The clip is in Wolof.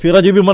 très bien